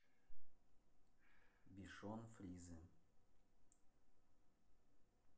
бишон фризе